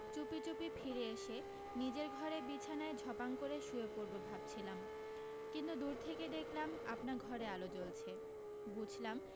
চুপি চুপি ফিরে এসে নিজের ঘরে বিছানায় ঝপাং করে শুয়ে পড়বো ভাবছিলাম কিন্তু দূর থেকে দেখলাম আপনার ঘরে আলো জ্বলছে বুঝলাম